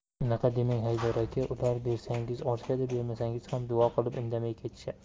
unaqa demang haydar aka ular bersangiz olishadi bermasangiz ham duo qilib indamay ketishadi